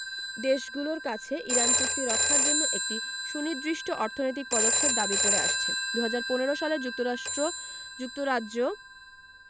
দেশগুলোর কাছে ইরান চুক্তি রক্ষার জন্য একটি সুনির্দিষ্ট অর্থনৈতিক পদক্ষেপ দাবি করে আসছে ২০১৫ সালে যুক্তরাষ্ট্র যুক্তরাজ্য